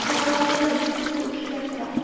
Алар алдында бик кызу эшләр тора.